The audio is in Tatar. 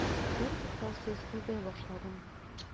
Бертуктаусыз үбә башладың.